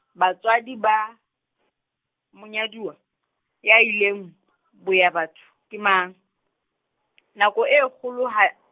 batswadi ba monyaduwa, ya ileng, boya batho, ke mang , nako eo kgoloha-.